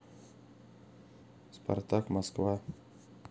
спартак москва